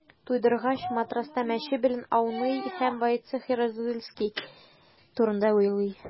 Туйдыргач, матраста мәче белән ауный һәм Войцех Ярузельский турында уйлый.